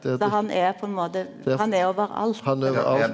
så han er på ein måte han er overalt.